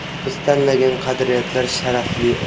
albatta biz tanlagan qadriyatlar sharafli